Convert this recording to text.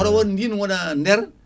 hono won ndin wona nder